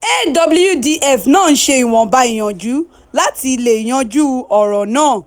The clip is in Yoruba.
AWDF náà ṣe ìwọ̀nba ìyànjú láti lè yanjú ọ̀rọ̀ náà.